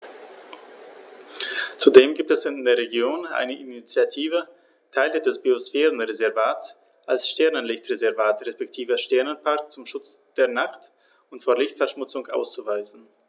Zudem gibt es in der Region eine Initiative, Teile des Biosphärenreservats als Sternenlicht-Reservat respektive Sternenpark zum Schutz der Nacht und vor Lichtverschmutzung auszuweisen.